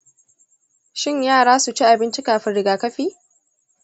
shin yara su ci abinci kafin rigakafi?